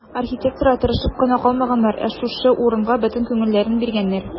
Архитекторлар тырышып кына калмаганнар, ә шушы урынга бөтен күңелләрен биргәннәр.